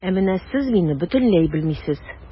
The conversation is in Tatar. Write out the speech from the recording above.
Ә менә сез мине бөтенләй белмисез.